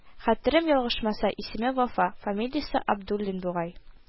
Хәтерем ял-гышмаса, исеме Вафа, фамилиясе Абдуллин бугай